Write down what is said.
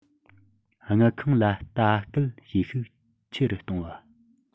དངུལ ཁང ལ ལྟ སྐུལ བྱེད ཤུགས ཆེ རུ གཏོང བ